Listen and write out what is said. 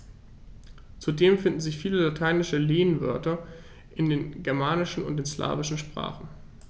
Zudem finden sich viele lateinische Lehnwörter in den germanischen und den slawischen Sprachen.